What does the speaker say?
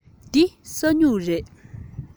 འདི ས སྨྱུག རེད